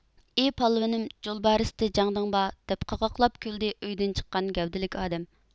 ئى پالۋىنىم جولبارىستى جەڭدىڭبا دەپ قاقاقلاپ كۈلدى ئۆيدىن چىققان گەۋدىلىك ئادەم